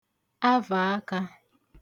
avàakā